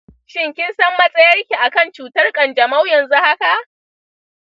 shin kinsan matsayar ki akan cutar kanjamau yanzu haka?